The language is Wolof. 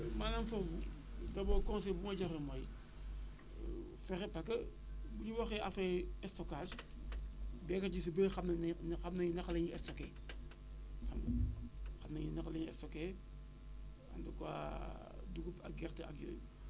maanaam foofu le bon conseil bu may joxe mooy fexe parce que bu ñu waxee affaire stockage béykat yu si bëre xam nañu ne xam nañ naka la ñuy stocké xam nga xam nañu ni nga xam ne la ñuy stocké en tout cas dugub ak gerte ak yooyu